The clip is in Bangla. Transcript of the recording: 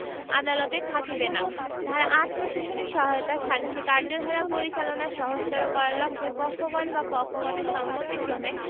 আদালতের থাকিবে না ধারা ৮ প্রশাসনিক সহায়তাঃ সালিসী কার্যধারা পরিচালনা সহজতর করার লক্ষ্যে পক্ষগণ বা পক্ষগণের সম্মতিক্রমে